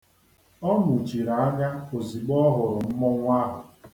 Ọ muchiri anya ozigbo ọ hụrụ mmọnwụ ahụ.